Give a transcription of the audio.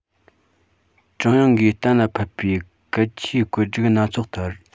ཀྲུང དབྱང གིས གཏན ལ ཕབ པའི གལ ཆེའི བཀོད སྒྲིག སྣ ཚོགས ལྟར